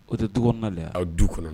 O tɛ tɔgɔ na la aw du kɔnɔna